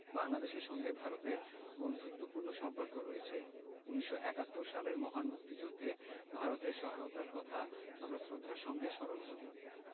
বাংলাদেশের সঙ্গে ভারতের বন্ধুত্তপূর্ণ সম্পর্ক রয়ছে ১৯৭১ সালের মহান মুক্তিযুদ্ধে ভারতের সহায়তার কথা আমরা শ্রদ্ধার সাথে স্মরণ করি